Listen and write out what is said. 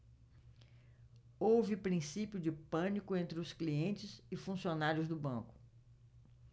houve princípio de pânico entre os clientes e funcionários do banco